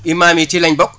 imaam yi ci lañ bokk